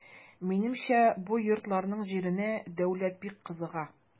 Минемчә бу йортларның җиренә дәүләт бик кызыга.